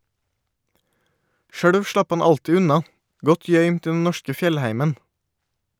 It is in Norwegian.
Sjølv slapp han alltid unna , godt gøymd i den norske fjellheimen.